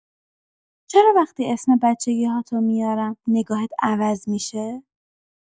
چرا وقتی اسم بچگی‌هاتو میارم، نگاهت عوض می‌شه؟